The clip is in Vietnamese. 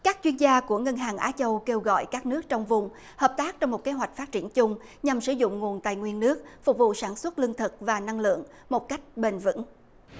các chuyên gia của ngân hàng á châu kêu gọi các nước trong vùng hợp tác trong một kế hoạch phát triển chung nhằm sử dụng nguồn tài nguyên nước phục vụ sản xuất lương thực và năng lượng một cách bền vững